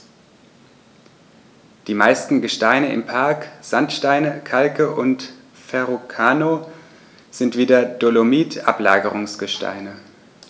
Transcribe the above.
Die meisten Gesteine im Park – Sandsteine, Kalke und Verrucano – sind wie der Dolomit Ablagerungsgesteine.